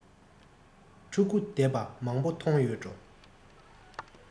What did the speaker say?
ཕྲུ གུ བསྡད པ མང པོ མཐོང ཡོད འགྲོ